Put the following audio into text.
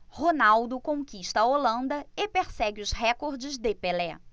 ronaldo conquista a holanda e persegue os recordes de pelé